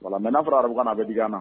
Wala n fɔra arabukanna a bɛ d na